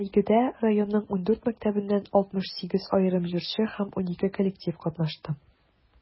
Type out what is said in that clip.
Бәйгедә районның 14 мәктәбеннән 68 аерым җырчы һәм 12 коллектив катнашты.